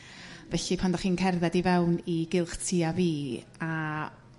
Felly pan 'dach chi'n cerdded i fewn i gylch tu a fi a